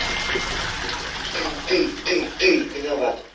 ты ты ты ты виноват